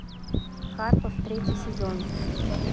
карпов третий сезон